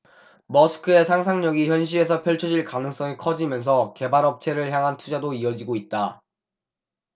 머스크의 상상력이 현실에서 펼쳐질 가능성이 커지면서 개발업체를 향한 투자도 이어지고 있다